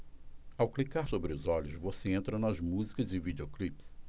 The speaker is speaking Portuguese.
ao clicar sobre os olhos você entra nas músicas e videoclipes